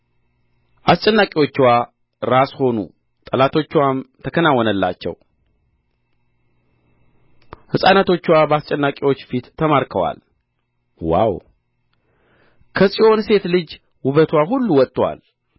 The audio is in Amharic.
አስጨናቂዎችዋ ራስ ሆኑ ጠላቶችዋም ተከናወነላቸው ሕፃናቶችዋ በአስጨናቂዎች ፊት ተማርከዋል ዋው ከጽዮን ሴት ልጅ ውበትዋ ሁሉ ወጥቶአል